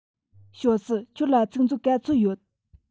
ཞའོ སུའུ ཁྱོད ལ ཚིག མཛོད ག ཚོད ཡོད